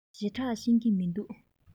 ཞེ དྲགས ཤེས ཀྱི མི འདུག